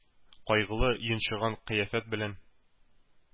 Кайгылы, йончыган кыяфәт белән,